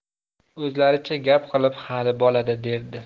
o'zlaricha gap qilib hali bolada derdi